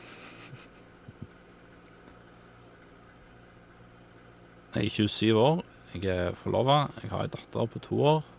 Jeg er tjuesyv år, jeg er forlova, jeg har ei datter på to år.